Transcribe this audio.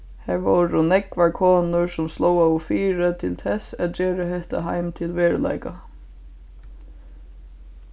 har vóru nógvar konur sum slóðaðu fyri til tess at gera hetta heim til veruleika